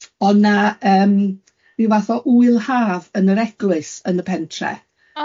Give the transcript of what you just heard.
O'dd 'na yym ryw fath o ŵyl haf yn yr Eglwys yn y pentre.